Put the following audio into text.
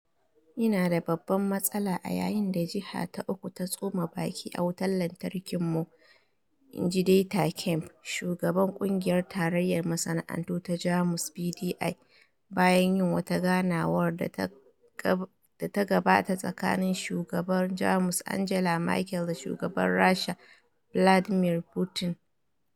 "Ina da babban matsala a yayin da jiha ta uku ta tsoma baki a wutar lantarkinmu," in ji Dieter Kempf, shugaban kungiyar tarayyar masana'antu ta Jamus (BDI), bayan yin wata ganawar da ta gabata tsakanin shugaban Jamus Angela Merkel da shugaban Rasha Vladimir Putin.